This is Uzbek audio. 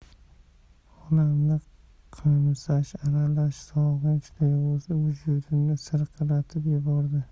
onamni qo'msash aralash sog'inch tuyg'usi vujudimni sirqiratib yubordi